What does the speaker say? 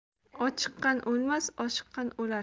ochiqqan o'lmas oshiqqan o'lar